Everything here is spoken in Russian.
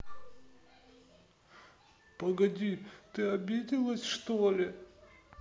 погоди ты обиделась что ли